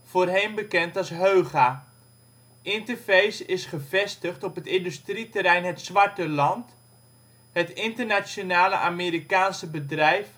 voorheen bekend als Heuga). Interface is gevestigd op het industrieterrein ' Het Zwarte Land '. Het internationale (Amerikaanse) bedrijf